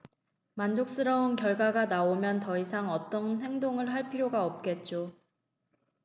만족스러운 결과가 나오면 더 이상 어떤 행동을 할 필요가 없겠죠